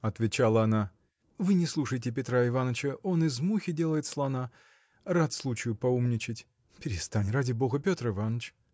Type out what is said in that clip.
– отвечала она, – вы не слушайте Петра Иваныча он из мухи делает слона рад случаю поумничать. Перестань, ради бога, Петр Иваныч.